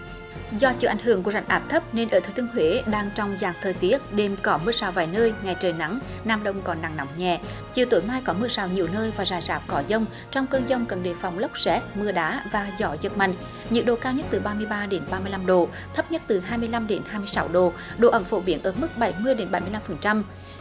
do chịu ảnh hưởng của rãnh áp thấp nên ở thừa thiên huế đang trong dạng thời tiết đêm có mưa rào vài nơi ngày trời nắng nam đông có nắng nóng nhẹ chiều tối mai có mưa rào nhiều nơi và rải rác có dông trong cơn dông cần đề phòng lốc sét mưa đá và gió giật mạnh nhiệt độ cao nhất từ ba mươi ba đến ba mươi lăm độ thấp nhất từ hai mươi lăm đến hai mươi sáu độ độ ẩm phổ biến ở mức bảy mươi đến bảy mươi lăm phần trăm